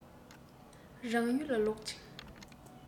རང ཡུལ ལ ལོག ཅིང